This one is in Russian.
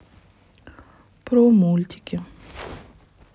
про мультики